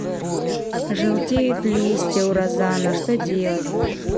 желтеют листья у розана что делать